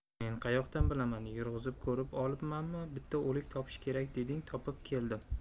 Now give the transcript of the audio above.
men qayoqdan bilaman yurg'izib ko'rib olibmanmi bitta o'lik topish kerak deding topib keldim